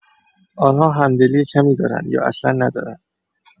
آن‌ها همدلی کمی دارند یا اصلا ندارند.